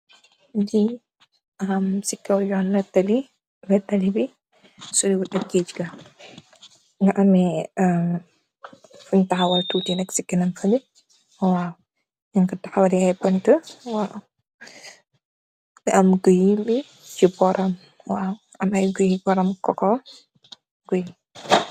Iii si kow tali bi la tegee, soreewut ak geege ga, nga am fuñg taxawal tuuti rek fële, waaw. Ñung ko taxawalee bantë, am guy i kooko, waaw.